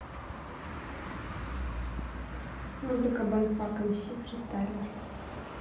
музыка bomfunk mcs freestyler